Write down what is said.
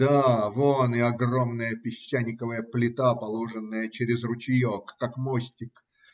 Да, вон и огромная песчаниковая плита, положенная через ручеек как мостик.